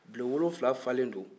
bulon wolonfila falen don